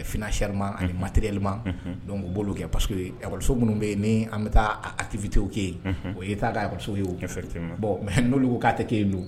Finɛ sariyarima matirlilima don' b'o kɛ pa araso minnu bɛ yen ni an bɛ taa ati vt ke yen o y ye taa ka ara ye bɔn mɛ n'olu ye ko'tɛ ke yen don